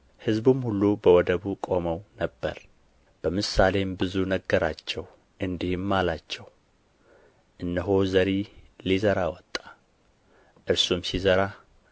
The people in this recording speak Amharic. ሕዝቡም ሁሉ በወደቡ ቆመው ነበር በምሳሌም ብዙ ነገራቸው እንዲህም አላቸው እነሆ ዘሪ ሊዘራ ወጣ እርሱም ሲዘራ